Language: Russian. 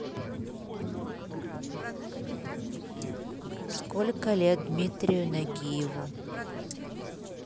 сколько лет дмитрию нагиеву